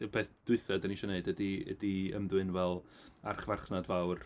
Y peth dwytha dan ni isio wneud ydy ydy ymddwyn fel archfarchnad fawr.